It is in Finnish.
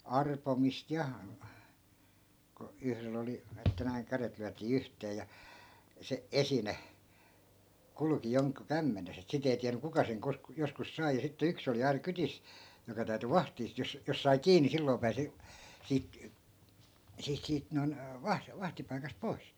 arpomista ja kun yhdellä oli että näin kädet lyötiin yhteen ja se esine kulki jonkun kämmenessä että sitten ei tiennyt kuka sen - joskus sai ja sitten yksi oli aina kyydissä joka täytyi vahtia sitten jos jos sai kiinni niin silloin pääsi siitä siitä siitä noin - vahtipaikasta pois